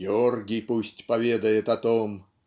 Георгий пусть поведает о том